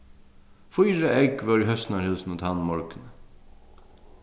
fýra egg vóru í høsnarhúsinum tann morgunin